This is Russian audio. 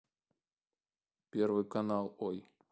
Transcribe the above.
первый канал ой